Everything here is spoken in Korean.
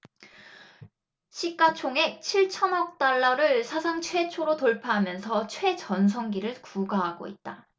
시가 총액 칠 천억 달러를 사상 최초로 돌파하면서 최전성기를 구가하고 있다